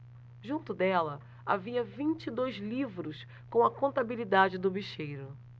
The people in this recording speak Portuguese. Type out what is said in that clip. junto dela havia vinte e dois livros com a contabilidade do bicheiro